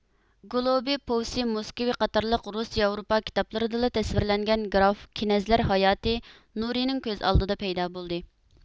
گولۇبى پوۋسېي موسكۋى قاتارلىق رۇس ياۋروپا كىتابلىرىدىلا تەسۋىرلەنگەن گراف كىنەزلەر ھاياتى نۇرىنىڭ كۆز ئالدىدا پەيدا بولدى